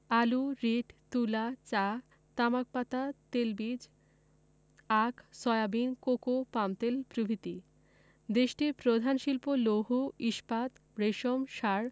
আলু রীট তুলা চা তামাক পাতা তেলবীজ আখ সয়াবিন কোকো পামতেল প্রভৃতি দেশটির প্রধান শিল্প লৌহ ইস্পাত রেশম সার